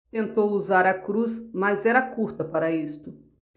tentou usar a cruz mas era curta para isto